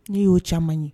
Ne y'o caman ye